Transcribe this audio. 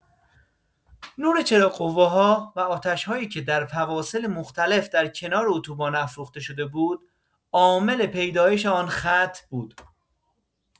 نور چراغ‌قوه‌ها و آتش‌هایی که در فواصل مختلف در کنار اتوبان افروخته شده بود، عامل پیدایش آن خط بود.